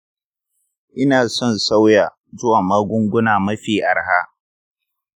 ina son sauya zuwa magunguna mafi arha.